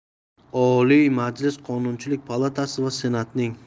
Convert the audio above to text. oliy majlis qonunchilik palatasi va senatining